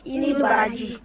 i ni baraji